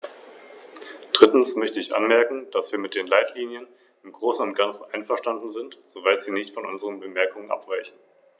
Die Umsetzung ist gegenwärtig insbesondere in kleinen Betrieben mit Schwierigkeiten verbunden, denn sie können sich eine solche Stelle nicht leisten.